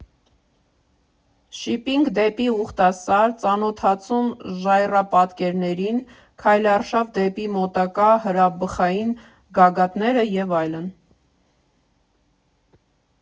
Ջիփինգ դեպի Ուխտասար, ծանոթացում ժայռապատկերներին, քայլարշավ դեպի մոտակա հրաբխային գագաթները և այլն։